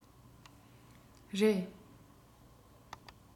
རེད